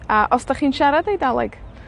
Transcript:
A os 'dach chi'n siarad Eidaleg.